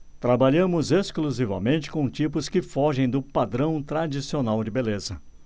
trabalhamos exclusivamente com tipos que fogem do padrão tradicional de beleza